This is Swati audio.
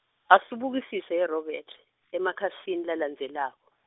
asubukisise yeRobert emakhasini lalandzelako.